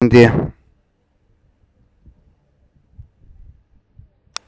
ཁོས ང རང པང དུ བླངས ཏེ